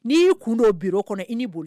N'i yi kun don bureau kɔnɔ i boli